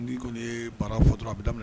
N' kɔni ye baara fɔtura a bɛ daminɛ